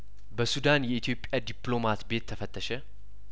በሱዳን የኢትዮጵያ ዲፕሎማት ቤት ተፈተሸ